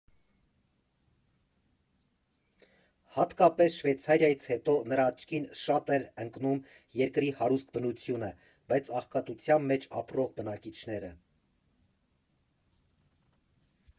Հատկապես Շվեյցարիայից հետո նրա աչքին շատ էր ընկնում երկրի հարուստ բնությունը, բայց աղքատության մեջ ապրող բնակիչները։